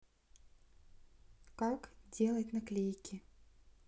как делать наклейки